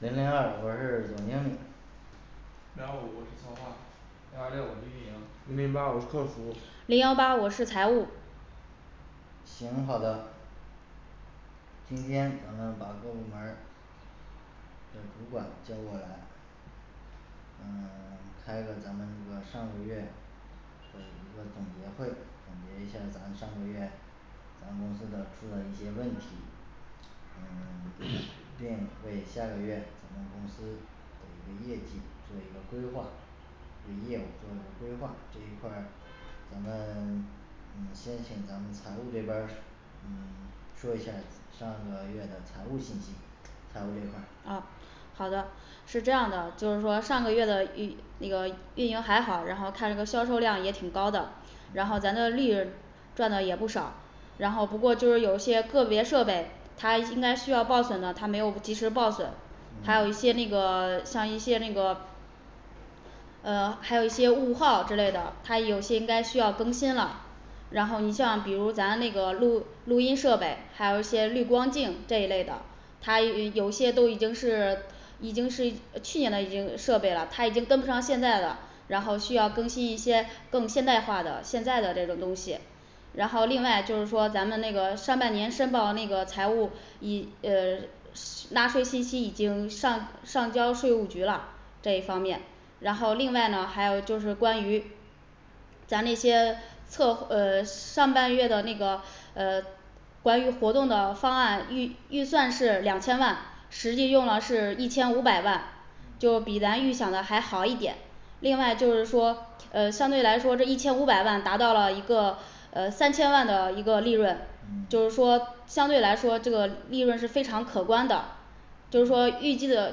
零零二我是总经理零二五我是策划零二六我是运营零零八我是客服零幺八我是财务行好的今天咱们把各部门儿的主管叫过来嗯 开个咱们这个上个月，呃一个总结会总结一下儿咱上个月咱公司的出了一些问题，嗯 并为下个月咱们公司的一个业绩做一个规划这个业务做一个规划这一块儿，咱们嗯先请咱们财务这边儿说 嗯 说一下咱 上个月的财务信息。财务这一块儿嗯好的是这样的就是说上个月的运 那个运营还好，然后看这个销售量也挺高的，然后咱的利润赚的也不少，然后不过就是有一些个别设备他应该需要报损的，他没有及时报损还有一嗯些那个像一些那个呃 还有一些物耗之类的，它有一些应该需要更新了，然后你像比如咱那个录录音设备，还有一些滤光镜这一类的，他有有一些都已经是已经是呃去年的已经设备了，他已经跟不上现在了，然后需要更新一些更现代化的现在的这个东西然后另外就是说咱们那个上半年申报那个财务已呃纳税信息已经上上交税务局了，这一方面。然后另外呢还有就是关于咱那些测呃上半月的那个呃 关于活动的方案预预算是两千万，实际用了是一千五百万，嗯就比咱预想的还好一点另外就是说呃相对来说这一千五百万达到了一个呃三千万的一个利润，嗯就是说相对来说这个利润是非常可观的。就是说预计的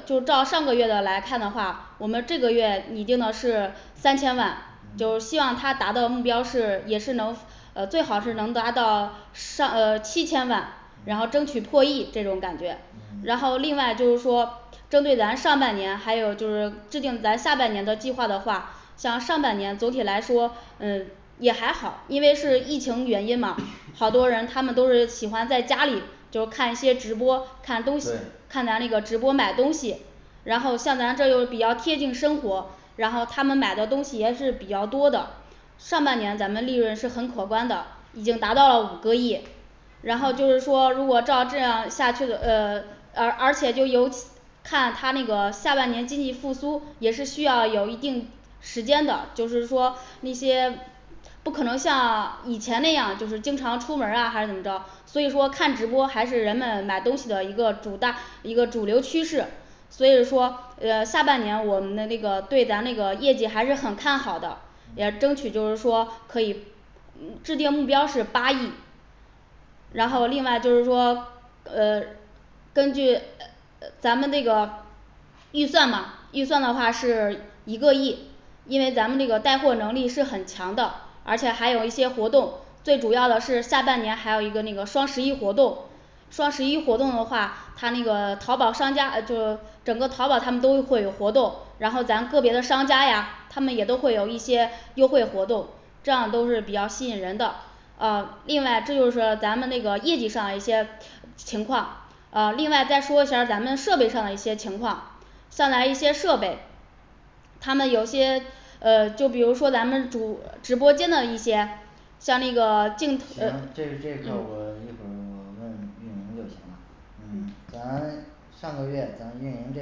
就照上个月的来看的话，我们这个月拟定的是三千万就是嗯希望他达到目标是也是能呃最好是能达到上呃七千万，然嗯后争取破亿这种感觉嗯然后另外就是说针对咱上半年还有就是制定咱下半年的计划的话，像上半年总体来说嗯也还好，因为是疫情原因嘛好多人他们都是喜欢在家里就是看一些直播，看东西，对看咱那个直播买东西，然后像咱这又比较贴近生活，然后他们买的东西也是比较多的上半年咱们利润是很可观的，已经达到了五个亿，然后就是说如果照这样下去的呃 而而且就尤看它这个下半年经济复苏也是需要有一定时间的就是说那些不可能像以前那样就是经常出门儿啊还是怎么着，所以说看直播还是人们买东西的一个主大一个主流趋势，所以说呃下半年我们的这个对咱那个业绩还是很看好的，嗯也争取就是说可以制定目标是八亿然后另外就是说呃根据呃呃咱们这个预算呢预算的话是一个亿因为咱们那个带货能力是很强的，而且还有一些活动，最主要的是下半年还有一个那个双十一活动双十一活动的话，他那个 淘宝商家呃就 整个淘宝他们都会有活动，然后咱个别的商家呀他们也都会有一些优惠活动，这样都是比较吸引人的哦另外这就是咱们那个业绩上的一些情况呃另外再说一下咱们设备上的一些情况，上来一些设备，他们有些呃就比如说咱们主直播间的一些想那个行竞这这一块儿我一嗯会我问运营就行了嗯咱上个月咱们运营这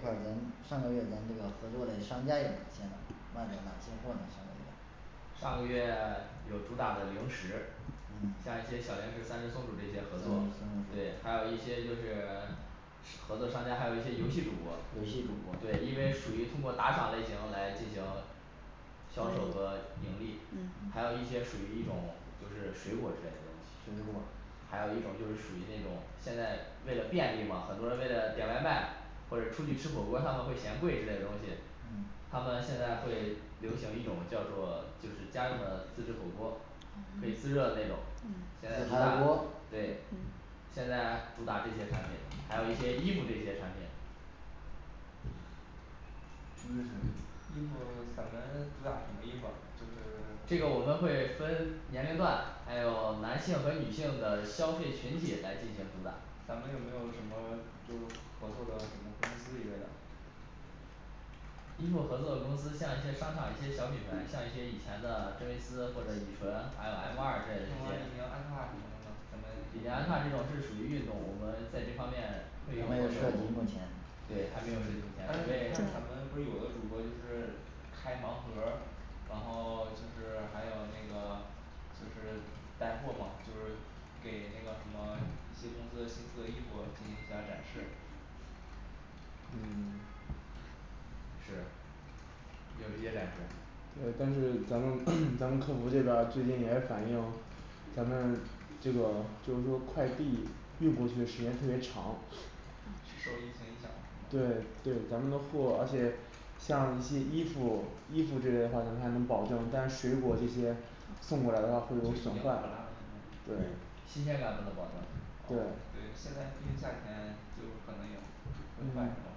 块儿，咱们上个月咱这个合作的商家有哪些呢卖了哪些货呢上个月上个月有主打的零食，嗯像一些小零食三只松鼠儿这些合三只作松。对鼠，还有一些就是 是合作商家，还有一些游戏主播，游戏主播对，因为属于通过打赏类型来进行销售和盈利，嗯还有一些属于一种就是水果儿之类的东西水果儿还有一种就是属于那种现在为了便利嘛很多人为了点外卖或者出去吃火锅儿，他们会嫌贵之类的东西。嗯他们现在会流行一种叫做就是家用的自制火锅儿可以自热的那种自现在主打嗨锅对嗯现在主打这些产品，还有一些衣服这些产品衣服咱们主打什么衣服啊就是这个我们会分年龄段，还有男性和女性的消费群体来进行主打咱们有没有什么就是合作的什么公司一类的衣服合作的公司，像一些商场一些小品牌，像一些以前的真维斯或者以纯，还有M二之什类的这么李些宁安踏什么的呢咱李宁安踏这们种是属于运动我们在这方面还会有没有涉及目前对还没有涉及但是目前你准备看咱们不有的主播就是开盲盒儿然后 就是还有那个就是带货嘛就是给那个什么一些公司的新出的衣服进行一下展示嗯是也有这些展示对，但是咱们 咱们客服这边儿最近也是反映，咱们这个就是说快递运过去的时间特别长是受疫情影响的是吗对对咱们的货而且像一些衣服衣服这类的话，咱们还能保证，但是水果这些送过来的就是已会有经损腐坏烂了对新鲜感不能保证啊对对现在毕竟夏天就可能也会坏是吗嗯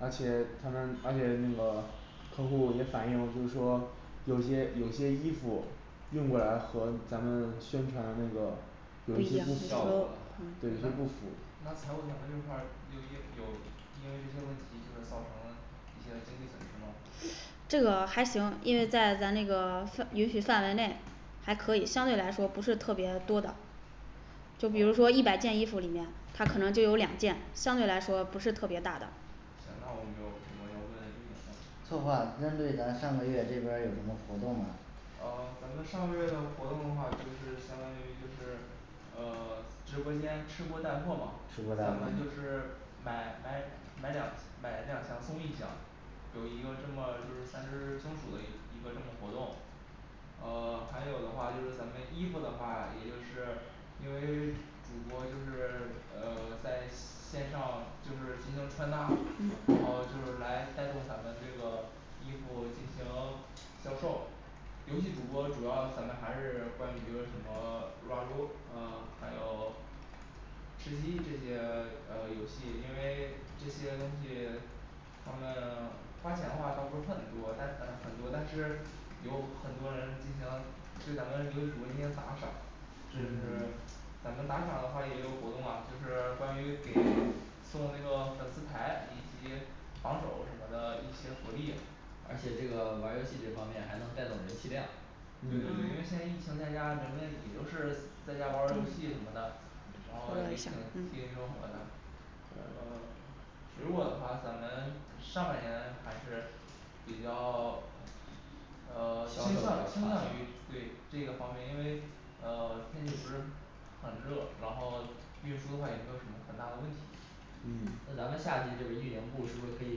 而且他们而且那个客户也反映就是说有些有些衣服运过来和咱们宣传的那个有一些些效果那对就不符那财务咱们这块儿有有有因为这些问题就是造成了一些经济损失吗？这个还行，因为在咱那个 范允许范围内还可以，相对来说不是特别多的就比如说哦一百件衣服里面，他可能就有两件相对来说不是特别大的行那我没有什么要问的重点了策划针对咱上个月这边儿有什么活动吗呃咱们上个月的活动的话就是相当于就是呃 直播间吃播带货嘛吃播带货我们就是买买买两买两箱送一箱有一个这么就是三只松鼠的一一个这么活动呃 还有的话就是咱们衣服的话也就是因为主播就是呃 在线上就是进行穿搭，然后就是来带动咱们这个衣服进行销售游戏主播主要咱们还是关于什么 撸啊撸呃 还有吃鸡这些 呃游戏，因为这些东西他们花钱的话倒不是特别多但很多但是有很多人进行对咱们游戏主播进行打赏就是咱们打赏的话也有活动啊就是关于给送那个粉丝牌以及榜首什么的一些福利而且这个玩儿游戏这方面还能带动人气量对对嗯对，因为现在疫情在家，人们也就是在家玩儿玩儿游戏什么的，然后也挺贴近生活的呃水果的话，咱们上半年还是比较呃倾向倾向于 对这个方面，因为呃 天气不是很热然后运输的话也没有什么很大的问题嗯那咱们夏季这边运营部是不是可以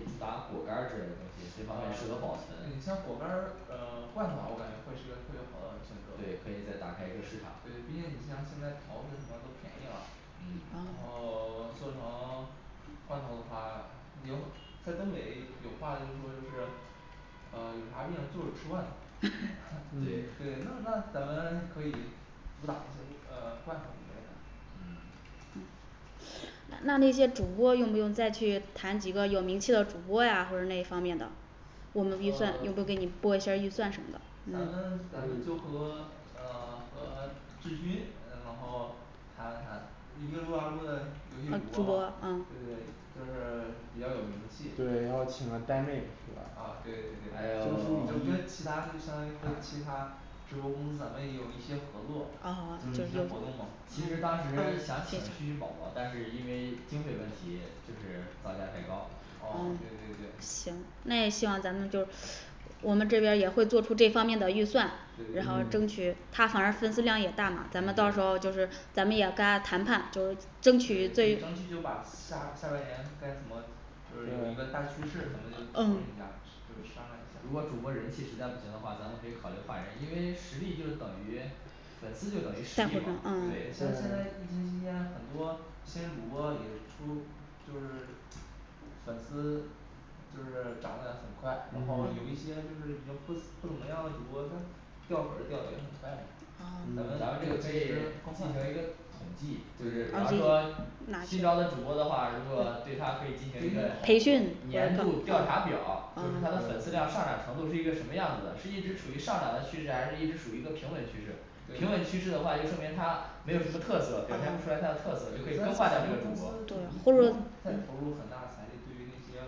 主打果干儿之类的东西，这方面适合保存呃你像果干儿呃 罐头我感觉会是一个特别好的选择对可以再打开一个市场对，毕竟你像现在桃子什么都便宜啦嗯然后 做成罐头的话牛在东北有话就是说是呃有啥病就是吃罐头。对对那那咱们可以主打一些呃 罐头一类的嗯那些主播用不用再去谈几个有名气的主播啊或者那方面的我们预呃算回头 儿给你拨一下儿预算什么咱嗯们咱们就和呃 和志勋呃往后谈了谈呃一个撸啊撸的游戏主主播播嘛啊对对就是比较有名气对然后请个呆妹对吧啊对对还对有 你就跟其他就相当于会其他直播公司咱们有一些合作啊啊，就对是一些对活动嘛对其实当时想请旭旭宝宝但是因为经费问题就是造价太高哦对对对行那也希望咱们就我们这边儿也会做出这方面的预算对对对，然后争嗯取他反正粉丝量也大嘛咱们到嗯时候儿就是咱们也跟他谈判就是对对争争取取就把下下半年该怎么就是有一个大对趋势，咱们就讨论嗯一下就是商量一下如果主播人气实在不行的话，咱们可以考虑换人，因为实力就等于粉丝就等于实价钱力嘛嗯对像现在疫情期间很多新人主播也出就是粉丝就是长得也很快，然嗯后有一些就是已经不不怎么样的主播但是他掉粉儿掉的也很快嘛啊咱咱们们可这个以可以进进行行更换一个统计，就是比方说哪新招的主播的话，如果对他可以进行一培训个年度调查表儿，就是他的粉丝量上涨程度是一个什么样子的，是一直处于上涨的趋势，还是一直处于一个平稳趋势平稳对趋势的话就说明他没有什么特色，表现不出来他的特色就可以对咱更换掉这个们主公司播，就不用再投入很大财力，对于那些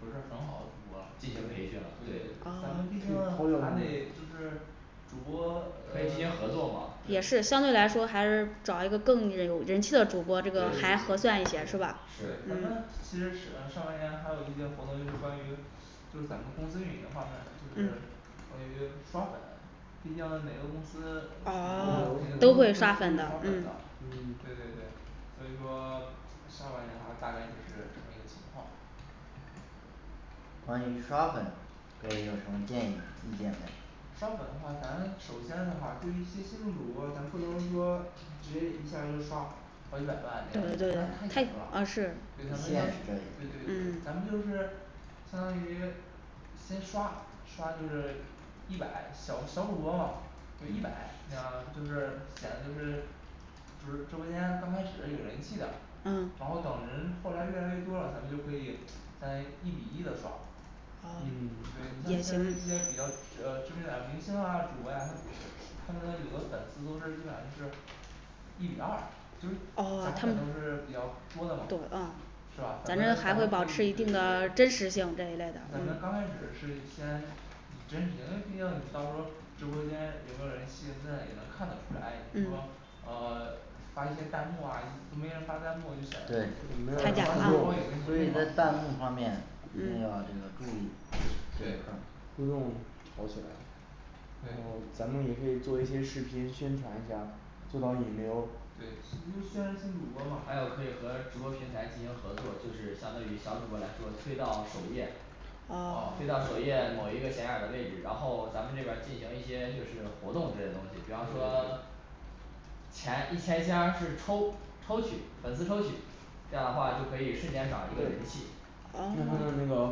不是很好的主播了进行培训对对对了咱们毕竟还得就是主播可以进呃 行合作嘛也是对相对来说还是找一个更有人气的主播这个对对还对核算一对些是吧？是咱们其实是呃上半年还有一些活动，就是关于就是咱们公司运营方面儿就是关于刷粉，毕竟哪个公司主播肯定都都会都刷刷粉粉的的嗯嗯对对对所以说上半年的话大概就是这么一个情况关于刷粉各位有什么建议意见没刷粉的话，咱首先的话对于一些新人主播，咱不能说就 直接一下就刷好几百万那样的那太这假啊了。是对对对咱们就嗯是相当于先刷刷就是一百小小主播嘛就一百那样就是显得就是就是直播间刚开始有人气的嗯然后等人后来越来越多了，咱们就可以在一比一的刷嗯对，你像现在一些比较呃知知名点儿明星啊主播呀，他们的有的粉丝都是基本上就是一比二就是假粉都哦是比较多的多啊嘛是吧咱咱们们还咱会们保可持以这对对个对真实性在在的咱们刚嗯开始是先以真实性，因为毕竟你到时侯儿直播间有没有人现在也能看得出来，就是说呃 发一些弹幕啊都没人发弹幕就写在对那所以在弹幕方面一定要这个注意没回对互动炒起来了然后对咱们也可以做一些视频宣传一下，做到引流主播对虽然新主播嘛还有可以和直播平台进行合作就是相当于小主播来说推到首页哦推哦到首页某一个显眼儿的位置，然后咱们这边儿进行一些就是活动之类的东西对比对方对说前一千箱儿是抽抽取粉丝抽取，这样的话就可以瞬间涨一个人气那他们那哦个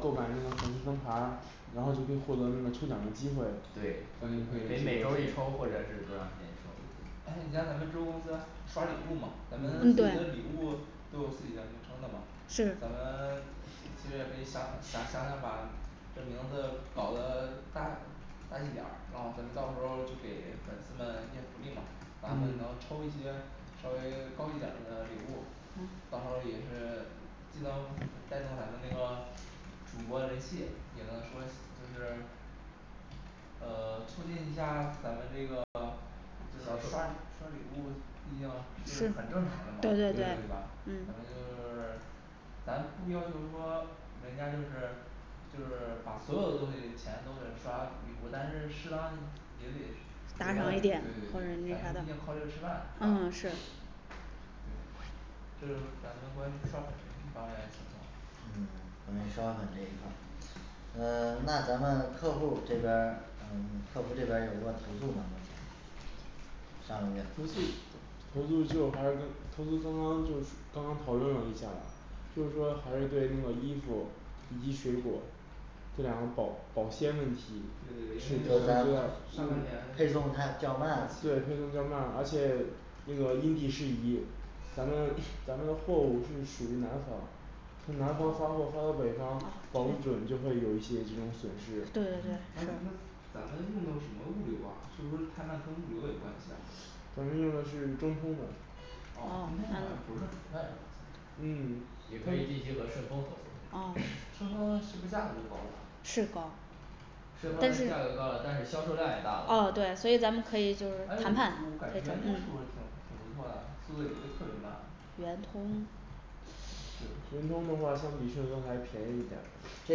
购买那个粉丝灯牌儿，然后就可以获得那个抽奖的机会对可可以以可以每周一抽或者是多长时间一对对抽但是你像咱们直播公司刷礼物嘛咱们自己的礼物都有自己的名称的嘛咱们是其实也可以想想想把这名字搞的大大气点儿，然后咱们到时候就给粉丝们一些福利嘛咱们能嗯抽一些稍微高一点儿的礼物嗯到时候也是既能带动咱们那个主播人气也能说就是呃 促进一下咱们这个就是小时刷刷刷礼物毕竟是很正常的对对对对吧嗯咱们就是咱不要求说人家就是就是把所有的东西钱都给刷礼物但是适当也得说对对对打咱赏一们毕点竟靠这个吃饭嗯是吧是对这就是咱们关于刷粉这方面的情况嗯刷粉这一块儿呃 那咱们客户儿这边儿嗯客服这边儿有什么投诉呢目前上个月投诉投诉就还是给投诉刚刚就刚刚讨论了一下就是说还是对那个衣服以及水果这个两个保保鲜问题对对因为你像上半年配送他较慢对配送较慢而且那个因地适宜咱们咱们货物是属于南方就南方发嗯货发到北方保不准就会有一些这种损失对那对那对咱们用的什么物流啊是不是太慢跟物流有关系啊咱们用的是中通的哦中哦通好像不是很快是吧嗯也可以借机和顺丰合作啊顺丰是不是价格就高了啊顺丰但是的价格高了，但是销售量也大哦了对所以咱们就是可以就是哎我我感觉圆通是不是挺挺不说谈判错的啊，速度也不会特别慢圆通对圆通的话相比顺丰还便宜一点儿这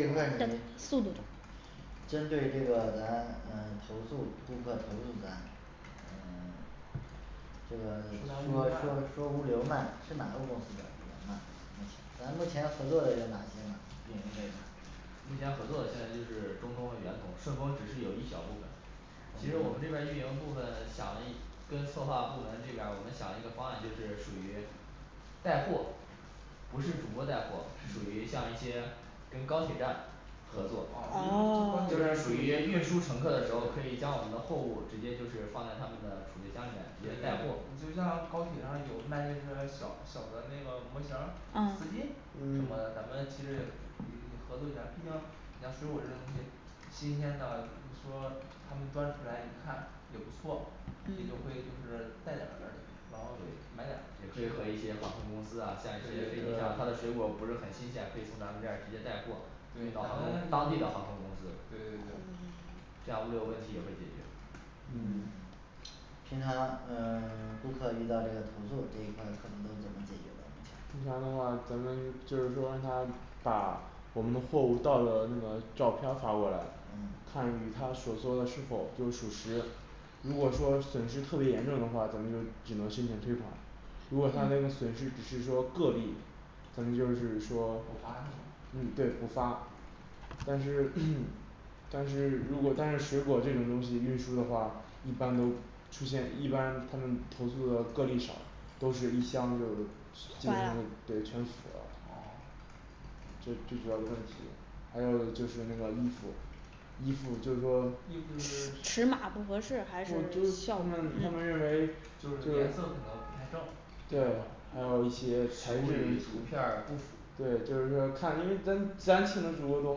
一块你速度针对这个咱呃投诉顾客投诉咱咱们 这个说咱物说说流慢说物流慢是哪个公司的比较慢目前咱目前合作的是哪些呢运营这边儿目前合作的现在就是中通和圆通，顺丰只是有一小部分，其实我们这边儿运营部分想了一跟策划部门这边儿我们想了一个方案，就是属于带货不是主播带货，是属于像一些跟高铁站合作嗯就是属于运输乘客的时候，可以将我们的货物直接就是放在他们的储备箱里面其实就高铁对对直接带货就像高铁上有卖那个小小的那个模型儿，丝巾嗯什么嗯的，咱们其实也可以合作一下儿，毕竟你像水果这些东西新鲜的，你说他们端起来一看也不错，也就嗯会就是带点儿，然后对买点儿也可以和一些航空公司啊，像一对些飞对机上，对他的水果儿不是很新鲜，可以从咱们这直接带货对到航空咱当们就地的航空公司对对对这样物流问题也会解嗯决平常呃 顾客遇到这个投诉这一块儿客服都是怎么解决的平常的话咱们就是说让他把我们的货物到了那个照片儿发过来，嗯看与他所说的是否就是属实如果说损失特别严重的话，咱们就只能申请退款。如果他那个损失只是说个例咱们就是说补发是吗？嗯对补发但是 但是如果但是水果这种东西运输的话，一般都出现一般他们投诉的个例少，都是一箱就是基本上对全腐了哦最最主要的问题还有就是那个衣服衣服就是说衣服就是尺码不合适不就还是就是效果他们认为就就是颜色可能不太正对，还有一些实物与图片儿不符对，就是说看因为跟咱请的主播多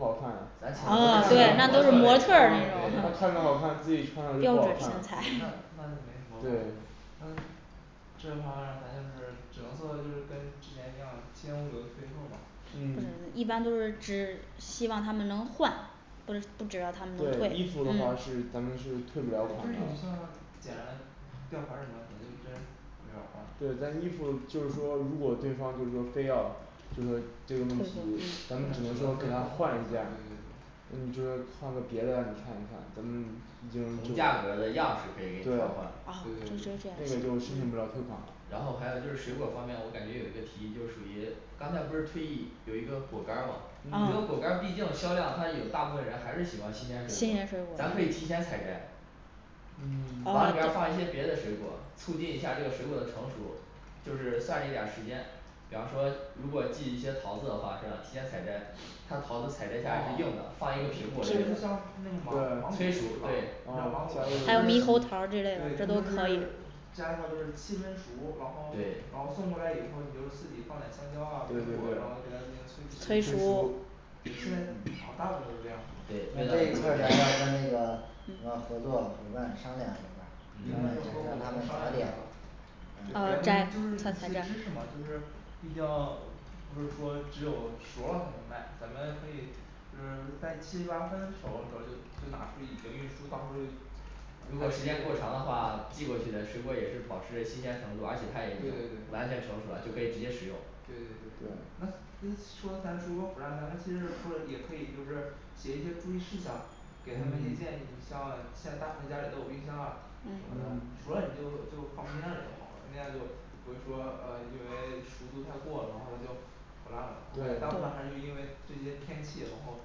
好看啊他看模特儿那种着好看，自己穿的就标不好准身对对那那就没什看材，对么办法这个方案他就是只能做到就是跟之前一样七天无理由退货嘛呃嗯一般都是只希望他们能换。不不指望他们退对衣服的话是咱们是退但是不了你像剪吊牌儿什么咱就真没法换了对咱衣服就是说如果对方就是说非要就说这个问题，咱们只能说给他换一件儿对对对那就是换个别的，你看一看咱们毕同竟价格的样式可以对对对对给你调换，这个就申请不了退款了然后还有就是水果方面我感觉有一个提议就属于刚才不是推议有一个果干儿吗这个嗯嗯果干儿毕竟销量它有大部分人还是喜欢新新鲜鲜水水果果儿，儿咱可以提前采摘嗯往里边儿放一些别的水果，促进一下儿这个水果的成熟就是算着点儿时间比方说如果寄一些桃子的话是吧？提前采摘它桃子，采摘下来是硬的哦放一个这就像那个芒芒果啊对他就是摘苹果之类的催熟对还有猕猴桃这类的可以他就是七分熟，然后然对后送过来以后你就自己放点香蕉啊对苹对果啊然后给对他进行催催催熟熟熟对哦大部分都是这样对要跟那个合作伙伴商量一下，跟他们客户他们商量一下给给他们就是一些知识嗯在嘛就是毕竟不是说只有熟了才能卖，咱们可以就是在七八分熟的时候就就拿出已经运输，到时候儿如果时间过长的话，寄过去的水果也是保持着新鲜程度，而且它也已对经对对完对全成熟了，就可以直接食用对对对那其实咱水果腐烂咱们其实或者也可以就是写一些注意事项给他们一些建议嗯像现在大部分家里都有冰箱啊什么的，嗯嗯熟了你就就放冰箱里就好了，那样就不会说呃因为熟度太过了，然后它就腐烂了大部分对还是因为这些天气，然后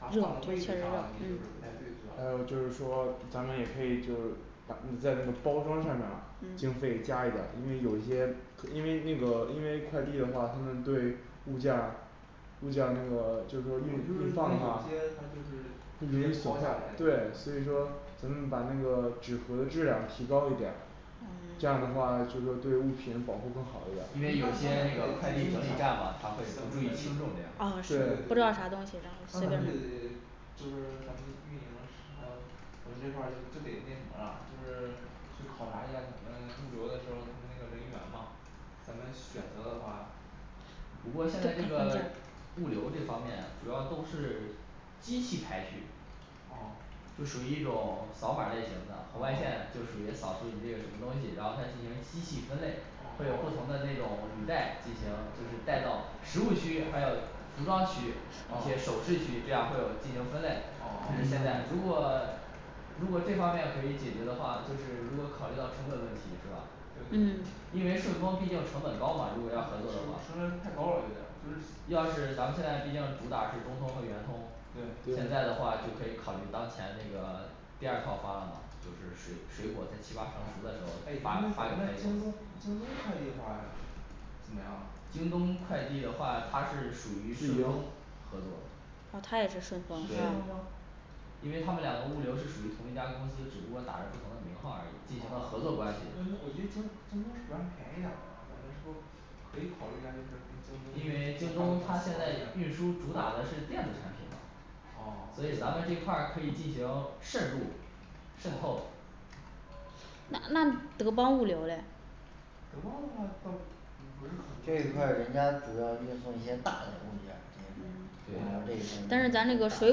它放在位置上也就是不太对还吧有就是说咱们也可以就是把在那个包装上面儿经嗯费加一点儿因为有一些因为那个因为快递的话他们对物价你物价那个就是说有些他就是就直接抛下来对所以说咱们把那个的纸盒质量提高一点儿这样的话就说对物品保护更好一点因为有儿些这个快递整理站嘛他会不注意轻重，这嗯样啊不知道啥东西那咱们就得就是咱们运营，然后咱们这块儿就得那什么了就是去考察一下他们物流的时候，他们那个人员嘛咱们选择的话不过现在这个物流这方面主要都是机器排序哦就属于一种扫码儿类型的红外线，就属于扫出你这个什么东西，然后再进行机器分类，会哦有不同的那种履带进行就是带到食物区，还有服装区一些哦首饰区，这样会有进行分类这是哦现嗯在如果如果这方面可以解决的话就是如果考虑到成本问题是吧？对嗯对对因为顺丰毕竟成本高嘛如果要合作的话顺丰太高了，有点就是要是咱们现在毕竟主打是中通和圆通对现在的话就可以考虑当前那个 第二套方案嘛就是水水果在七八成熟的时候咱发们发给咱他们就京行东京东快递话怎么样？京东快递的话它是属于顺丰合作啊它也是顺是顺丰丰对吗因为他们两个物流是属于同一家公司，只不过打着不同的名号而已，进行了合作关系那我觉得京京东是不是还便宜点儿啊，咱们是不是可以考虑一下就是跟京东因为京东它现在运输主打的是电子产品嘛哦所以咱们这块儿可以进行渗入渗透哦那德邦物流嘞德邦的话倒嗯不是这一很块多儿，人家主要运送一些大的物件儿对这些。这但是咱种水